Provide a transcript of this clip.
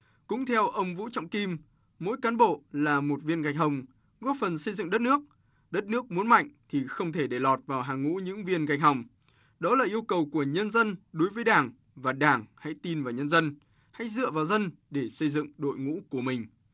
cũng theo ông vũ trọng kim mỗi cán bộ là một viên gạch hồng góp phần xây dựng đất nước đất nước muốn mạnh thì không thể để lọt vào hàng ngũ những viên gạch hồng đó là yêu cầu của nhân dân đối với đảng và đảng hãy tin và nhân dân hãy dựa vào dân để xây dựng đội ngũ của mình